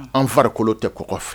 An farikolo tɛ ko kɔfɛ